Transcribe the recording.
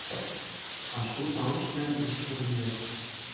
Ачулы тавыш белән җикеренде: -